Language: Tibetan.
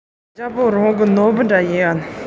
མོས མཆིལ མས ངོ གདོང འཁྲུད བཞིན ངུས བྱུང